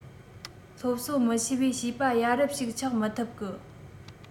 སློབ གསོ མི ཤེས པས བྱིས པ ཡ རབས ཞིག ཆགས མི ཐུབ གི